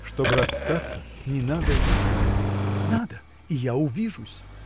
— Чтоб расстаться — не надо видеться. — Надо — и я увижусь!